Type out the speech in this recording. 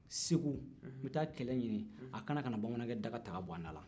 segu n bɛ taa kɛlɛ ɲini a ka na ka na bamanankɛ daga ta ka bɔ an dala